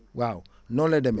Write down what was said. waaw noonu lay demee